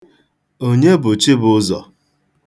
Onye bụ Chibụzọ?